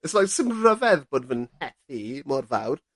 I's like 's'im ryfedd bod fy'n het i mor fawr.